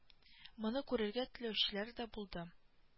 Моны күрергә теләүчеләр дә булды